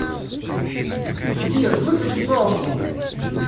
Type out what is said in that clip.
сбер выключи паузу